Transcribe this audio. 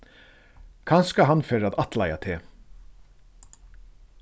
kanska hann fer at ættleiða teg